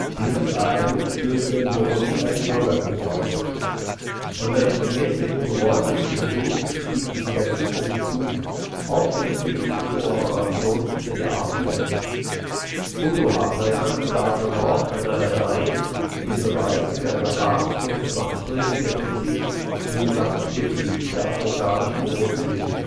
Dieses Ereignis löste in Burundi einen Bürgerkrieg aus. Unter den gemäßigten ruandischen Hutu stieg die Skepsis in Bezug auf eine friedliche Kooperation mit der RPF, Hutu-Hardliner sahen im Mord an Ndadaye den Beweis für ein erbarmungsloses Machtstreben der Tutsi im gesamten Gebiet der Afrikanischen Großen Seen